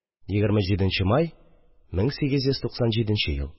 27 нче май, 1897 ел